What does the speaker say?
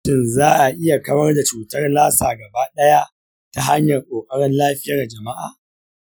shin za a iya kawar da cutar lassa gaba ɗaya ta hanyar ƙoƙarin lafiyar jama’a?